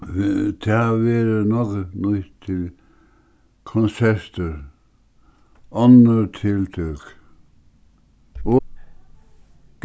tað verður nógv nýtt til konsertir onnur tiltøk